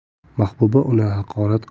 mahbuba uni haqorat